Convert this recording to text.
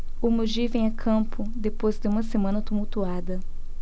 o mogi vem a campo depois de uma semana tumultuada